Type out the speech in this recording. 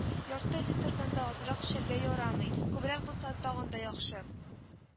Ярты литрдан да азрак эчәргә ярамый, күбрәк булса тагын да яхшы